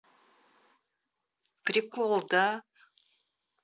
прикол да